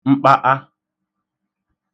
mkpata